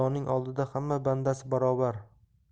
oldida hamma bandasi barobar